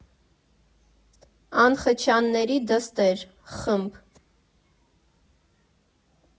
Սնխչյանների դստեր ֊ խմբ.